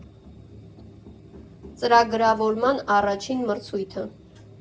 Ծրագրավորման առաջին մրցույթը.